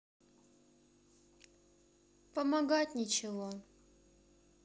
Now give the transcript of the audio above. помогать ничего